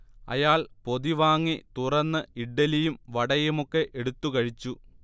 അയാൾ പൊതി വാങ്ങി തുറന്ന് ഇഡ്ഢലിയും വടയുമൊക്കെ എടുത്തുകഴിച്ചു